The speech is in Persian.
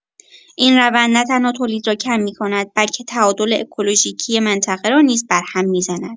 این روند نه‌تنها تولید را کم می‌کند، بلکه تعادل اکولوژیکی منطقه را نیز برهم می‌زند.